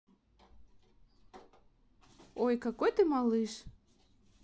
ой какой ты малыш